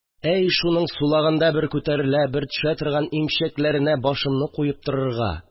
Әй шуның сулаганда бер күтәрелә, бер төшә торган имчәкләренә башымны куеп торырга